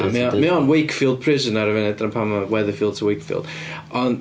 Mae o'n- mae o'n Wakefield Prison ar y funud dyna pam mae o yn Weatherfield to Wakefield ond...